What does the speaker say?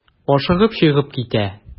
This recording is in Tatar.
Ашыгып чыгып китә.